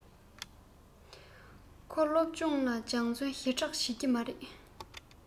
ཁོས སློབ སྦྱོང ལ སྦྱང བརྩོན ཞེ དྲགས བྱེད ཀྱི མ རེད